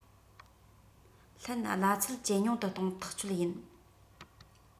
ལྷན གླ ཚད ཇེ ཉུང དུ གཏོང ཐག ཆོད ཡིན